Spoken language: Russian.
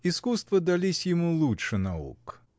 Искусства дались ему лучше наук.